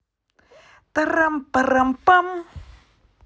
тарам парам пам